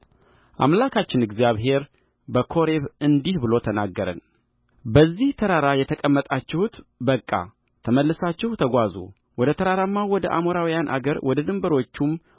አምላካችን እግዚአብሔር በኮሬብ እንዲህ ብሎ ተናገረን በዚህ ተራራ የተቀመጣችሁት በቃተመልሳችሁ ተጓዙ ወደ ተራራማው ወደ አሞራውያን አገር ወደ ድንበሮቹም